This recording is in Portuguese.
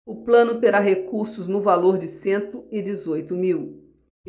o plano terá recursos no valor de cento e dezoito mil